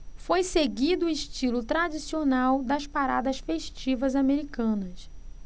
foi seguido o estilo tradicional das paradas festivas americanas